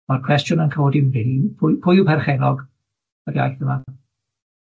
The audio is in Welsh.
Ma'r cwestiwn yn codi'n , pwy pwy yw perchennog yr iaith yma?